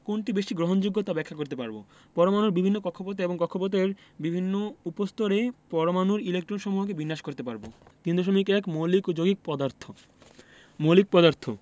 কোনটি বেশি গ্রহণযোগ্য তা ব্যাখ্যা করতে পারব পরমাণুর বিভিন্ন কক্ষপথে এবং কক্ষপথের বিভিন্ন উপস্তরে পরমাণুর ইলেকট্রনসমূহকে বিন্যাস করতে পারব 3.1 মৌলিক ও যৌগিক পদার্থঃ মৌলিক পদার্থ